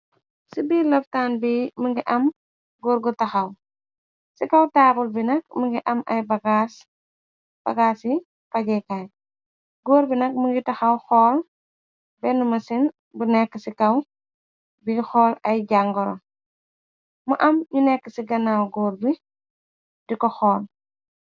Ci bi lobtaan bi, më ngi am góorgu taxaw. ci kaw taabul bi nag, më ngi am ay bagaas yi pajikaay. Goor bi nag më ngi taxaw xool benn mësin bu nekk ci kaw bi xool ay jangoro, Mu am ñu nekk ci ganaaw góor bi di ko xool.